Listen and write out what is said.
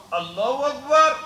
Alahu akibaru